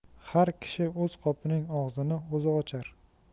har kishi o'z qopining og'zini o'zi ochar